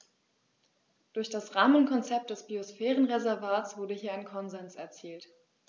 Durch das Rahmenkonzept des Biosphärenreservates wurde hier ein Konsens erzielt.